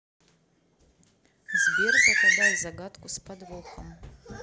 сбер загадай загадку с подвохом